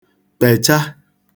kpècha